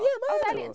Ie maen nhw!